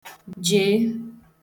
jèē